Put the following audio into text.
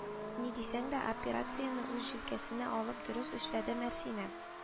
Ни дисәң дә, операңияне үз җилкәсенә алып дөрес эшләде Мәрсинә